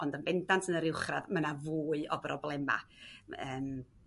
ond yn bendant yn yr uwchradd ma' 'na fwy o broblema' yym